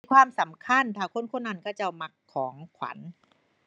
ความสำคัญถ้าคนคนนั้นเขาเจ้ามักของขวัญ